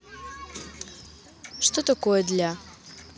что такое для